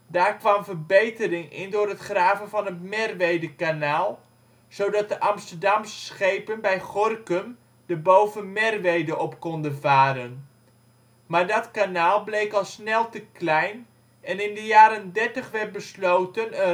Daar kwam verbetering in door het graven van het Merwedekanaal, zodat de Amsterdamse schepen bij Gorinchem de Boven-Merwede op konden varen. Maar dat kanaal bleek al snel te klein en in de jaren dertig werd besloten een rechtstreekse